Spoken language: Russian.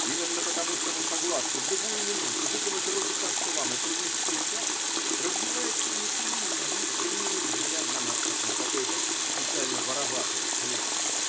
Именно потому, что мы согласны в любую минуту вытянуть руки но швам и принесть присягу, развивается в населении неискоренимый взгляд на нас, как на какое-то специально вороватое племя.